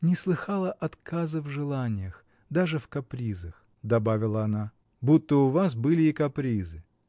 — Не слыхала отказа в желаниях, даже в капризах. — добавила она. — Будто у вас были и капризы?